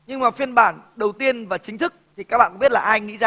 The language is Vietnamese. nhưng mà phiên bản đầu tiên và chính thức thì các bạn biết là ai nghĩ ra